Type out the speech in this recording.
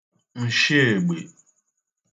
ǹshi ẹgbè